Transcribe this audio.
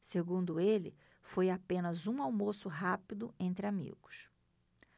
segundo ele foi apenas um almoço rápido entre amigos